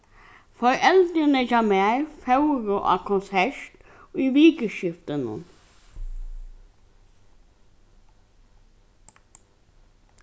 foreldrini hjá mær fóru á konsert í vikuskiftinum